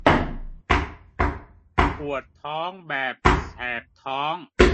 ปวดท้องแบบแสบท้อง